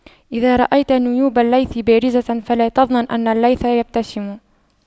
إذا رأيت نيوب الليث بارزة فلا تظنن أن الليث يبتسم